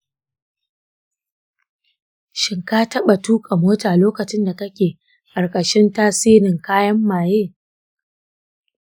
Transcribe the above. shin ka taɓa tuka mota lokacin da kake ƙarkashin tasirin kayan maye?